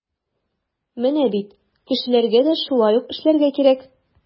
Менә бит кешеләргә дә шулай ук эшләргә кирәк.